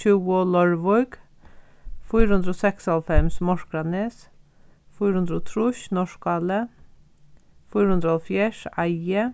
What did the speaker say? tjúgu leirvík fýra hundrað og seksoghálvfems morskranes fýra hundrað og trýss norðskáli fýra hundrað og hálvfjerðs eiði